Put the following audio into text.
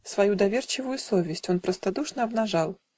Свою доверчивую совесть Он простодушно обнажал.